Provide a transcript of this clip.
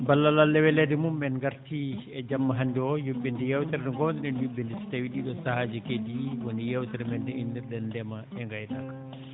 ballal Allah e weleede mum en ngartii e jamma hannde o yuɓɓinde yeewtere nde ngoownoɗen yuɓɓinde so tawii ɗii ɗoo sahaaji keedii woni yeewtere men nde innirɗen ndema e ngaynaaka